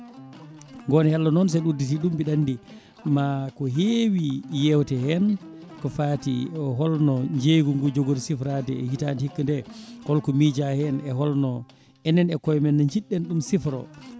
goon hello noon sen uddidti ɗum mbiɗa andi ma ko heewi yewte hen ko faati o holno jeygu ngu jogori sifirade hitande hkka nde holko miija hen e holno enen e koye men no jiɗɗen ɗum siforo